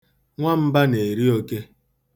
Nwamba na-eri oke.